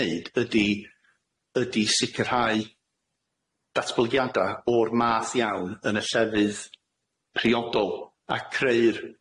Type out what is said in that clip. neud ydi ydi sicrhau datblygiada o'r math iawn yn y llefydd priodol a creu'r